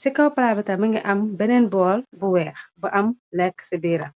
ci kaw palabatam mu ngi am beneen bool bu weex bu am lekk ci biiram.